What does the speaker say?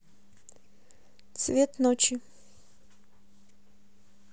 цвет ночи